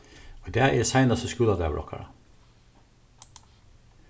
í dag er seinasti skúladagur okkara